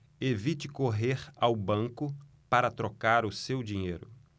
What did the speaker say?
evite correr ao banco para trocar o seu dinheiro